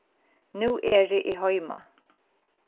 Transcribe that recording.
nú eri eg heima